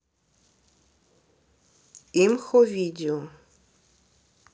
имхо видео